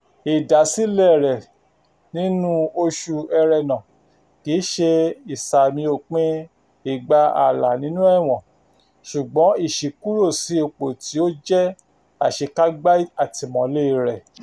Ìdásílẹ̀ẹ rẹ̀ nínú oṣù Ẹrẹ́nà kì í ṣe ìsààmì òpin ìgbà Alaa ní ẹ̀wọ̀n, ṣùgbọ́n ìṣíkúrò sí ipò tí ó jẹ́ àṣekágbá àtìmọ́lée rẹ̀.